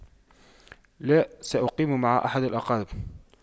لا سأقيم مع أحد الأقارب